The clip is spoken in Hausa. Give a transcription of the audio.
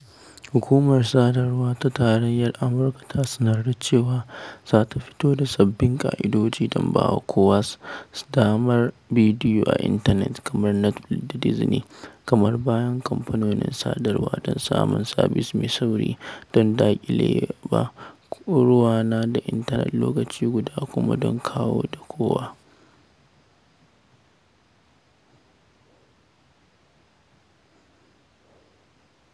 Hukumar Sadarwa ta Tarayyar Amurka ta sanar da cewa zata fito da sabbin ƙa’idoji don bawa masu samar da bidiyo a intanet, kamar Netflix da Disney, damar biyan kamfanonin sadarwa don samun sabis mai sauri, don daƙile ba ruwana a intanet lokaci guda kuma don kowa da kowa.